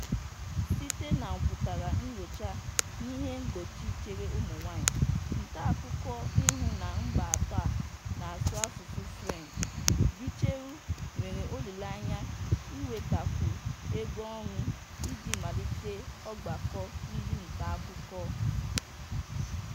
Site na mpụtara nnyocha n'ihe mgbochi chere ụmụnwaanyị ntaakụkọ ihu na mba atọ a na-asụ asụsụ French, Gicheru nwere olileanya iwetakwu egoọrụ iji malite ọgbakọ ndị ntaakụkọ.